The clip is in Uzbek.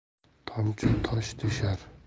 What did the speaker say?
tomchi tosh teshar